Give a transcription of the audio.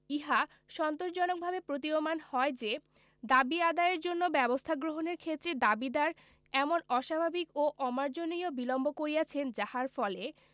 ইহা সন্তোষজনকভাবে প্রতীয়মান হয় যে দাবী আদায়ের জন্য ব্যবস্থা গ্রহণের ক্ষেত্রে দাবীদার এমন অস্বাভাবিক ও অমার্জনীয় বিলম্ব করিয়াছেন যাহার ফলে